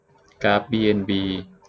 กราฟบีเอ็นบี